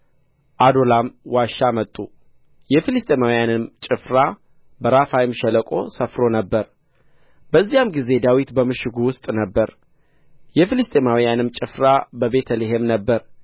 ዓዶላም ዋሻ መጡ የፍልስጥኤማውያንም ጭፍራ በራፋይም ሸለቆ ሰፍሮ ነበር በዚያም ጊዜ ዳዊት በምሽጉ ውስጥ ነበረ የፍልስጥኤማውያንም ጭፍራ በቤተ ልሔም ነበረ